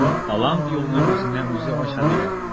Талант юлны үзенә үзе ача диләр.